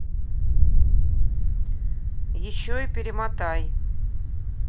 еще и перемотай